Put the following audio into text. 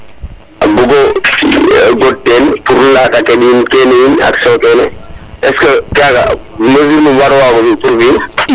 a bugo god ten pour lasa keɓin kene yiin action kene est ce que kaga mesure num waro wago fi pour fi in